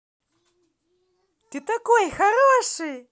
ты такой хороший